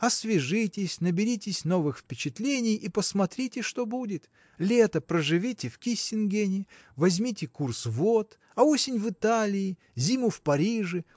освежитесь, наберитесь новых впечатлений и посмотрите, что будет. Лето проживите в Киссингене возьмите курс вод а осень в Италии зиму в Париже